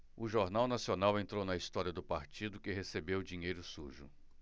o jornal nacional entrou na história do partido que recebeu dinheiro sujo